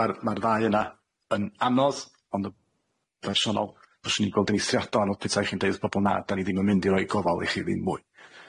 Ma'r ma'r ddau yna yn anodd ond y bersonol fyswn i'n gweld yn eithriadol anodd petai chi'n deud wrth bobol na da ni ddim yn mynd i roi gofal i chi ddim mwy.